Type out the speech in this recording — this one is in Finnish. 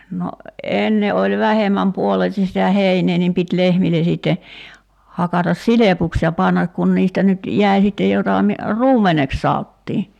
no ennen oli vähemmän puoleisesti sitä heinää niin piti lehmille sitten hakata silpuksi ja panna kun niistä nyt jäi sitten jota - ruumeneksi sanottiin